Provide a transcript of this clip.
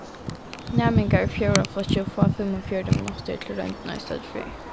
næmingar í fjórða flokki fáa fimmogfjøruti minuttir til royndina í støddfrøði